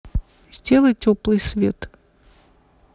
сделай теплый свет